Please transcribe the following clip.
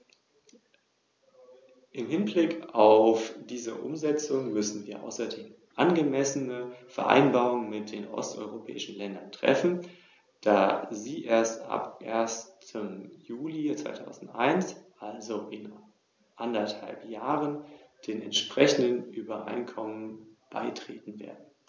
Die Einführung eines relativ einfachen, einheitlichen und - auch wenn dies der Streitpunkt ist - auf drei Sprachen basierenden Systems, wenngleich über eine oder mehrere Sprachen diskutiert worden ist, die in die Muttersprache des Antragstellers übersetzt werden würden, stellt einen wichtigen Schritt dar.